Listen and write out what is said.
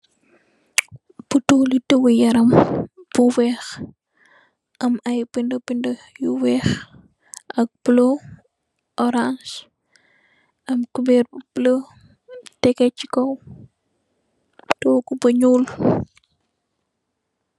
Butèèl li diw yaram bu wèèx am ay bindi bindi yu wèèx ak bula, orans am kupeer bu bula tegeh ci kaw tóógu bu ñuul.